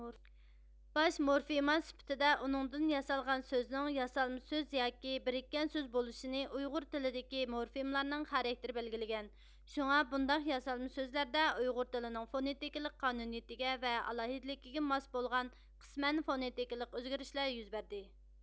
باش مورفېما سۈپىتىدە ئۇنىڭدىن ياسالغان سۆزنىڭ ياسالما سۆز ياكى بىرىككەن سۆز بولۇشىنى ئۇيغۇر تىلىدىكى مورفېملارنىڭ خاراكتېرى بەلگىلىگەن شۇڭا بۇنداق ياسالما سۆزلەردە ئۇيغۇر تىلىنىڭ فونېتىكىلىق قانۇنىيىتىگە ۋە ئالاھىدىلىكىگە ماس بولغان قىسمەن فونېتىكىلىق ئۆزگىرىشلەر يۈز بەردى